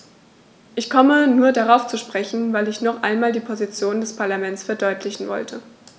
Ich komme nur darauf zu sprechen, weil ich noch einmal die Position des Parlaments verdeutlichen wollte.